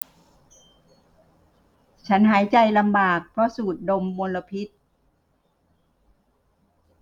ฉันหายใจลำบากเพราะสูดดมมลพิษ